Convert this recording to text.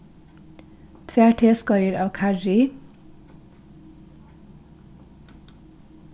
tvær teskeiðir av karry